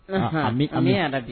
An bɛ ala bi